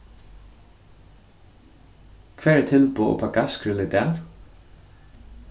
hvar er tilboð uppá gassgrill í dag